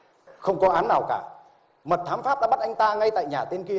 không có án nào cả mật thám pháp đang bắt anh ta ngay tại nhà tên kia